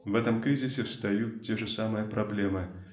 В этом кризисе встают те же самые проблемы